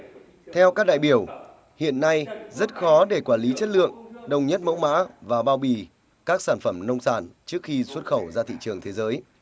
theo các đại biểu hiện nay rất khó để quản lý chất lượng đồng nhất mẫu mã và bao bì các sản phẩm nông sản trước khi xuất khẩu ra thị trường thế giới